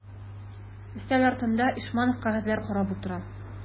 Өстәл артында Ишманов кәгазьләр карап утыра.